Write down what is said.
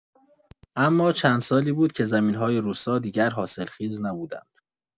اما چند سالی بود که زمین‌های روستا دیگر حاصلخیز نبودند.